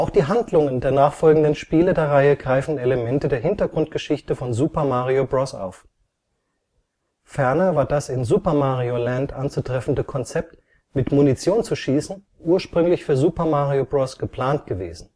die Handlungen der nachfolgenden Spiele der Reihe greifen Elemente der Hintergrundgeschichte von Super Mario Bros. auf. Ferner war das in Super Mario Land (GB, 1989) anzutreffende Konzept, mit Munition zu schießen, ursprünglich für Super Mario Bros. geplant gewesen